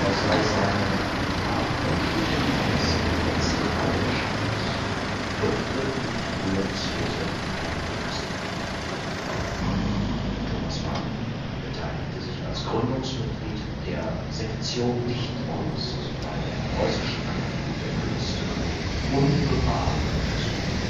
sei seine „ nach menschlichem Ermessen letzte Leidenschaft “, dürfte in die Figur des Joseph eingeflossen sein. Thomas Mann beteiligte sich als Gründungsmitglied der Sektion Dichtkunst bei der Preußischen Akademie der Künste unmittelbar an Versuchen